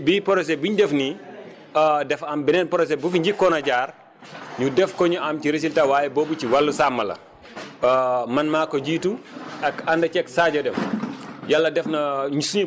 waaw ndax bii bi projet biñ def nii dafa am beneen projet bu fi njëkkoon a jaar ñu def ko ñu am ci résultat waaye boobu ci wàllu sàmm la man maa ko jiitu ak ànd ci ceeg Sadio Deme